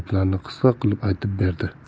gaplarni qisqa qilib aytib berdi